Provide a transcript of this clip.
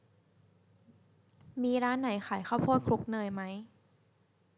มีร้านไหนขายข้าวโพดคลุกเนยไหม